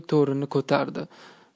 torini ko'tardi